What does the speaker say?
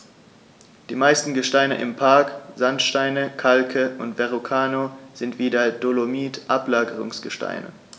Die meisten Gesteine im Park – Sandsteine, Kalke und Verrucano – sind wie der Dolomit Ablagerungsgesteine.